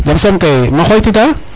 jam soom mam o xooytitaa